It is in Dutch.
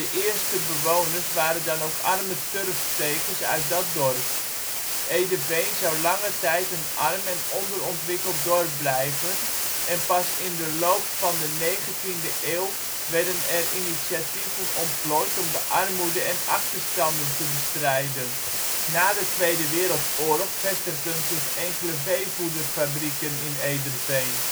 eerste bewoners waren dan ook arme turfstekers uit dat dorp. Ederveen zou lange tijd een arm en onderontwikkeld dorp blijven en pas in de loop van de negentiende eeuw werden er initiatieven ontplooid om de armoede en achterstanden te bestrijden. Na de Tweede Wereldoorlog vestigden zich enkele veevoederfabrieken in Ederveen